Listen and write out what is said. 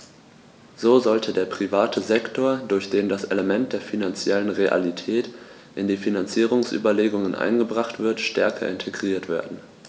So sollte der private Sektor, durch den das Element der finanziellen Realität in die Finanzierungsüberlegungen eingebracht wird, stärker integriert werden.